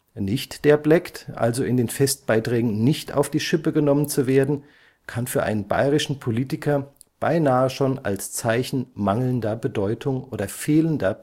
Nicht derbleckt, also in den Festbeiträgen nicht auf die Schippe genommen zu werden, kann für einen bayerischen Politiker beinahe schon als Zeichen mangelnder Bedeutung oder fehlender